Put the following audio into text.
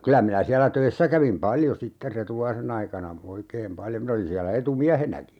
kyllä minä siellä töissä kävin paljon sitten Retulaisen aikana oikein paljon minä olin siellä etumiehenäkin